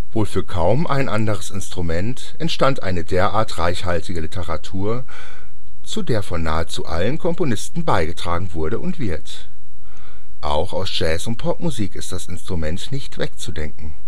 wohl für kaum ein anderes Instrument entstand eine derart reichhaltige Literatur, zu der von nahezu allen Komponisten beigetragen wurde und wird. Auch aus Jazz und Popmusik ist das Instrument nicht wegzudenken